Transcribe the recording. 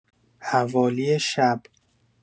حوالی شب